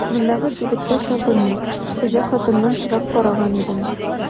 Мондагы кибеттә сабын юк, хуҗа хатыннан сорап караган идем.